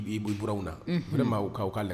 I b'i bɔ bw na o ma ka'aw ka lamɛn